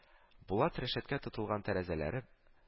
Булат рәшәткә тотылган тәрәзәләре